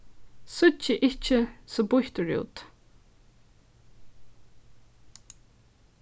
síggi ikki so býttur út